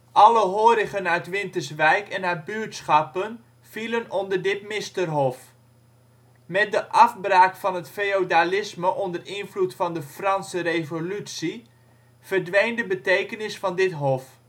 Alle horigen uit Winterswijk en haar buurtschappen vielen onder dit Misterhof. Met de afbraak van het feodalisme onder invloed van de Franse Revolutie verdween de betekenis van dit hof